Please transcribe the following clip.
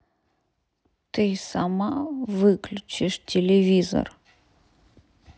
ты сама выключишь телевизор